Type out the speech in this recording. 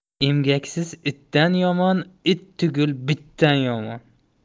emgaksiz itdan yomon it tugul bitdan yomon